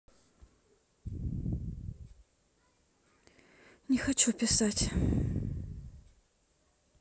не хочу писать